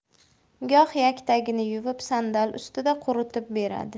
goh yaktagini yuvib sandal ustida quritib beradi